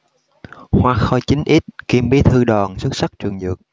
hoa khôi chín x kiêm bí thư đoàn xuất sắc trường dược